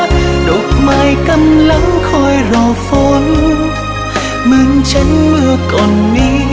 chồi non háo hức đang đợi mưa rất giống anh ngày xưa